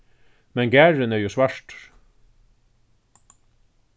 men garðurin er jú svartur